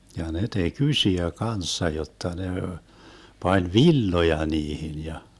ja ne teki isoja kanssa jotta ne pani villoja niihin ja